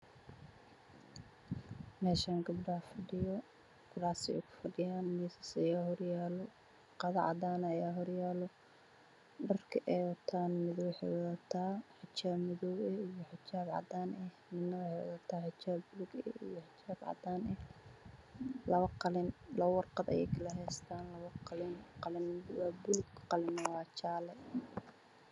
Meeshaan gabdho ayaa fadhiyo kuraas ayay kufadhiyaan miis ay horyaalo, qalin cadaan ah, dharka ay wataan waa mid xijaab madow ah, mid xijaab cadaan ah, midna xijaab buluug ah iyo xijaab cadaan ah. Labo qalin iyo labo warqad ayay kala heystaan.